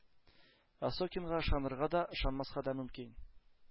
Осокинга ышанырга да, ышанмаска да мөмкин.